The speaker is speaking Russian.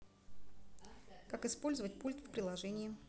как использовать пульт в приложении